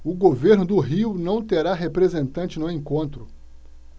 o governo do rio não terá representante no encontro